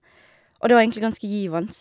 Og det var egentlig ganske givende.